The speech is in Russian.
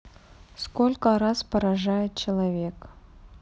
сколько раз поражает человек